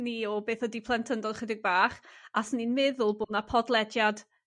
ni o beth ydy plentyndod chydig bach a 'swn i'n meddwl bod 'na podlediad